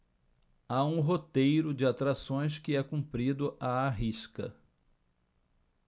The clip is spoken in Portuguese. há um roteiro de atrações que é cumprido à risca